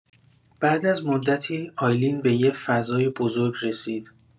بعد از مدتی، آیلین به یه فضای بزرگ رسید.